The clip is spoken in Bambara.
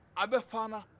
a bɛ fana